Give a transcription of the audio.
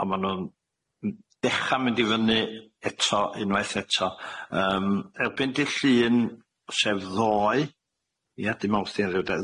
a ma' nw'n m- dechra mynd i fyny eto unwaith eto yym erbyn dy Llun sef ddoe ia dy Mowrth di heddiw de,